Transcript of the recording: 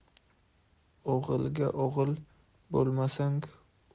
o'g'ilga o'g'il bo'lmasang